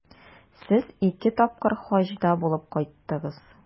Сез ике тапкыр Хаҗда булып кайттыгыз.